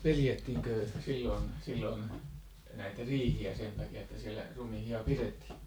pelättiinkö silloin silloin näitä riihiä sen takia että siellä ruumiita pidettiin